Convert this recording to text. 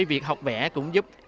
việc học vẽ cũng giúp